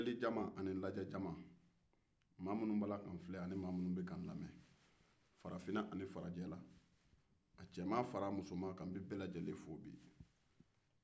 n filɛlijama ani n lajɛnijama maa minnu b'a la ka n lajɛ ani ka n lamɛn farafinna ani farajɛla a cɛman fara musoman kan n bɛ bɛɛ lajɛlen fo bi